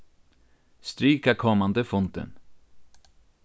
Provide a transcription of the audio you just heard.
strika komandi fundin